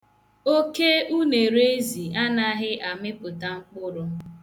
Oke unereezi anaghị amịpụta mkpụrụ.